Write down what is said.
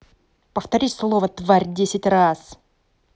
повтори слово тварь десять раз